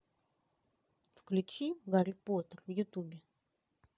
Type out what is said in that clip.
включи гарри поттер в ютубе